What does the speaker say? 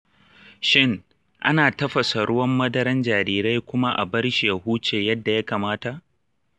shin ana tafasa ruwan madaran jarirai kuma a barshi ya huce yadda ya kamata?